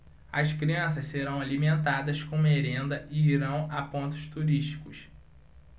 as crianças serão alimentadas com merenda e irão a pontos turísticos